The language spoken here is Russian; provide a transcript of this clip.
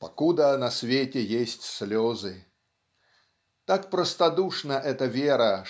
"Покуда на свете есть слезы" . так простодушна эта вера